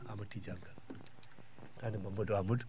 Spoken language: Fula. Amadou Tidiani Ka ane Mamadou Amadou